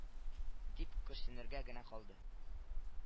— дип көрсенергә генә калды